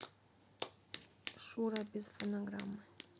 шура без фонограммы